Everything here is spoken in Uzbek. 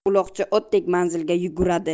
uloqchi otdek manzilga yuguradi